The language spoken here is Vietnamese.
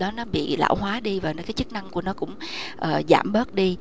đó nó bị lão hóa đi và cái chức năng của nó cũng giảm bớt đi